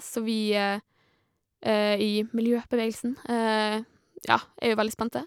Så vi i miljøbevegelsen, ja, er jo veldig spente.